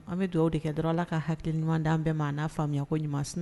An bɛ dugawu de kɛ dɔrɔn la ka hakili ɲumanɲuman dan bɛɛ ma n'a faamuyaya ko ɲumanɲuman sun